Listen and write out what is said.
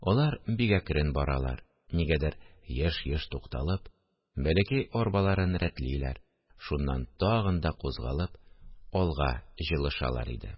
Алар бик әкрен баралар, нигәдер еш-еш тукталып, бәләкәй арбаларын рәтлиләр, шуннан тагын да кузгалып, алга җилышалар иде